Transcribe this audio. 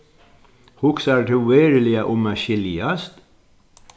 hugsar tú veruliga um at skiljast